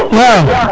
waw